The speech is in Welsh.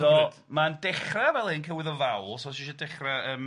So ma'n dechra fel hyn cywydd o fawl so os ti isio dechra yym.